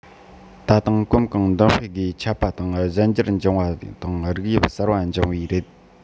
ད དུང གོམ གང མདུན སྤོས སྒོས ཁྱབ པ དང གཞན འགྱུར འབྱུང བ དང རིགས དབྱིབས གསར པ འབྱུང བས རེད